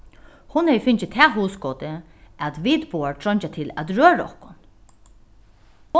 hon hevði fingið tað hugskotið at vit báðar treingja til at røra okkum